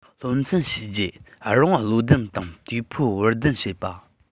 སློབ ཚན ཞེ བརྒྱད རི བོང བློ ལྡན དང དེ ཕོས བར སྡུམ བྱེད པ